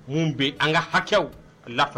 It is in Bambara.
Mun bɛ an ka hakɛw lafasa